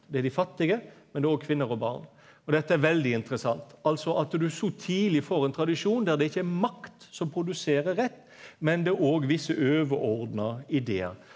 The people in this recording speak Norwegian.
det er dei fattige men det er òg kvinner og barn, og dette er veldig interessant altså at du så tidleg får ein tradisjon der det ikkje er makt som produserer rett, men det er òg visse overordna idear.